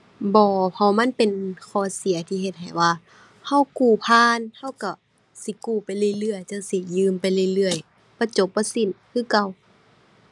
บ่ เพราะมันเป็นข้อเสียที่เฮ็ดให้ว่า เรากู้ผ่าน เราเราสิกู้ไปเรื่อยเรื่อยจั่งซี้ ยืมไปเรื่อยเรื่อย บ่จบบ่สิ้นคือเก่า